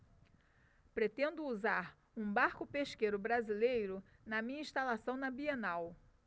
pretendo usar um barco pesqueiro brasileiro na minha instalação na bienal